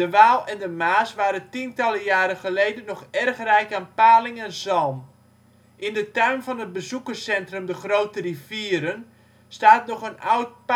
Waal en de Maas waren tientallen jaren geleden nog erg rijk aan paling en zalm. In de tuin van het Bezoekerscentrum De Grote Rivieren staat nog een oud palingschokker